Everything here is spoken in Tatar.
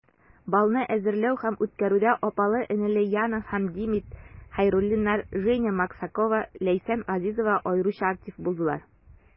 Балны әзерләү һәм үткәрүдә апалы-энеле Яна һәм Демид Хәйруллиннар, Женя Максакова, Ләйсән Газизова аеруча актив булдылар.